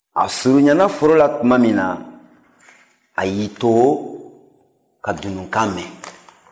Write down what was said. a surunyana foro la tuma min na a y'i to ka dununkan mɛn